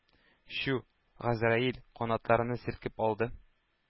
Чү! Газраил канатларын селкеп алды,